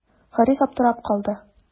Харис аптырап калды.